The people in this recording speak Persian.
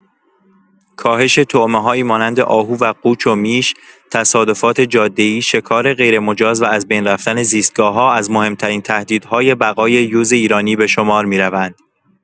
کاهش طعمه‌هایی مانند آهو و قوچ و میش، تصادفات جاده‌ای، شکار غیرمجاز و از بین رفتن زیستگاه‌ها از مهم‌ترین تهدیدهای بقای یوز ایرانی به شمار می‌روند.